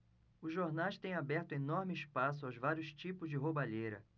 os jornais têm aberto enorme espaço aos vários tipos de roubalheira